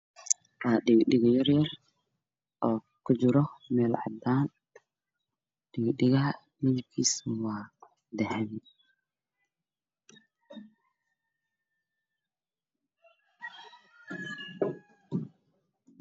Dhaddhago yar oo ku jiro meel cadaan dhagdhagaha midabkiisa waa dahabi